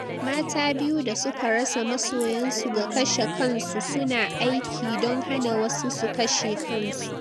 Mata biyu da suka rasa masoyan su ga kashe kansu su na aiki don hana wasu su kashe kansu.